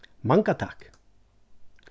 manga takk